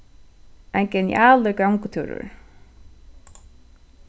ein genialur gongutúrur